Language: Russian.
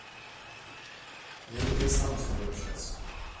я не перестану с тобой общаться